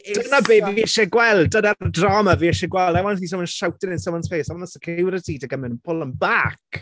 Dyna be fi isie gweld, dyna'r drama fi isie gweld! I want to see someone shouting in someone's face. I want security to come in and pull them back!